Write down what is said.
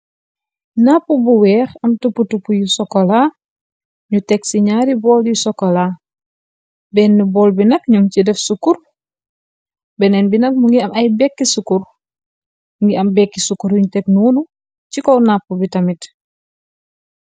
Nappu bu weex am tupp tup yu sokola ñu teg ci ñaari bool yu sokola benn bool bi nak nuŋ ci def sukur beneen bi nak mu ngi am ay bekki sukur ngi am bekki sukur yuñ teg nyung ci kow napp bi tamit.